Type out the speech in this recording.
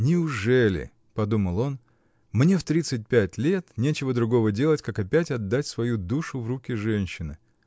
"Неужели, -- подумал он, -- мне в тридцать пять лет нечего другого делать, как опять отдать свою душу в руки женщины?